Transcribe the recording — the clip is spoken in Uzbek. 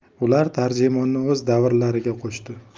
ular tarjimonni o'z davlariga qo'shdi